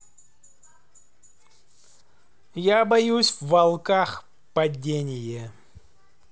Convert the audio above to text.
я боюсь в волках падение